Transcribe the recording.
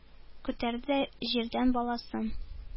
Күтәрде дә җирдән баласын,